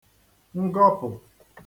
-ngọpụ̀